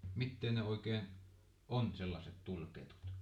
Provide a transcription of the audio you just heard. mitä ne oikein on sellaiset tuli ketut